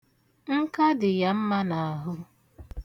Nka dị ya mma n'ahụ.